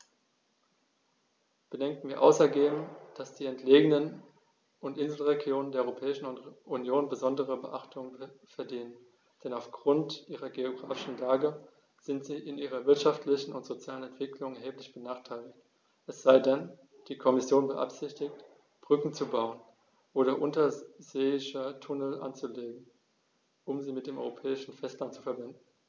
Bedenken wir außerdem, dass die entlegenen und Inselregionen der Europäischen Union besondere Beachtung verdienen, denn auf Grund ihrer geographischen Lage sind sie in ihrer wirtschaftlichen und sozialen Entwicklung erheblich benachteiligt - es sei denn, die Kommission beabsichtigt, Brücken zu bauen oder unterseeische Tunnel anzulegen, um sie mit dem europäischen Festland zu verbinden.